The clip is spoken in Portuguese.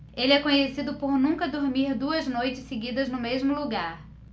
ele é conhecido por nunca dormir duas noites seguidas no mesmo lugar